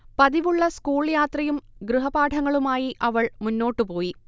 പതിവുള്ള school യാത്രയും ഗൃഹപാഠങ്ങളുമായി അവൾ മുന്നോട്ടുപോയി